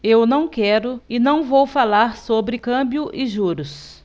eu não quero e não vou falar sobre câmbio e juros